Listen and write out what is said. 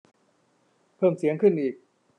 เพิ่มเสียงขึ้นอีก